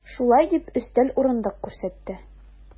Шулай дип, өстәл, урындык күрсәтте.